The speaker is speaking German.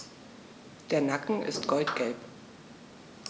Der Nacken ist goldgelb.